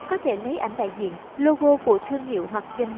hoặc có thể lấy ảnh đại điện logo của thương hiệu hoặc doanh nghiệp